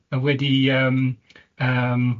wedi yym, yym.